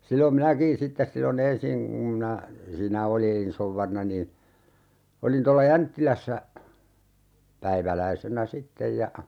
silloin minäkin sitten silloin ensin kun minä siinä olin souvarina niin olin tuolla Jänttilässä päiväläisenä sitten ja